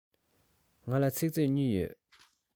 ང ལ ཚིག མཛོད གཉིས ཡོད